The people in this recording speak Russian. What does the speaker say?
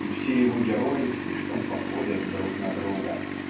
и все его герои слишком походят друг на друга.